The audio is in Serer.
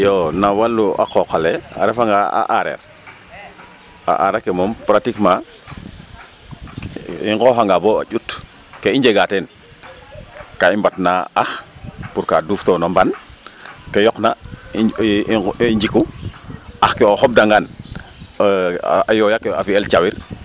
Iyo no walum a qooq ale a refanga a aareer a aar ake moom pratiquement i nqooxanga ɓo ƴut ke i njega teen ga i mbatna ax pour ka duuftoona mbaan ke yoqna i i njiku ax ke o xobdangaan a yooy ake fi'el cawir.